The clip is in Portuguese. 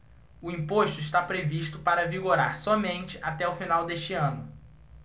o imposto está previsto para vigorar somente até o final deste ano